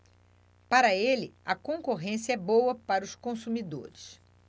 para ele a concorrência é boa para os consumidores